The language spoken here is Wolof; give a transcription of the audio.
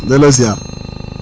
delloo ziar